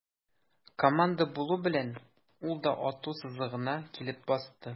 Команда булу белән, ул да ату сызыгына килеп басты.